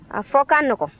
a fɔ ka nɔgɔn